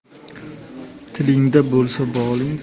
tilingda bo'lsa boling